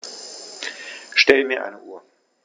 Stell mir eine Uhr.